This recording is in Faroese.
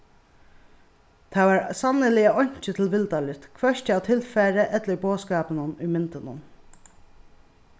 tað var sanniliga einki tilvildarligt hvørki av tilfari ella í boðskapinum í myndunum